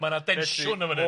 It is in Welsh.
Ma' .na densiwn yn fan 'yn.